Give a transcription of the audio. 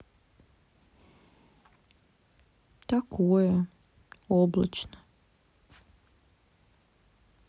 такое облачно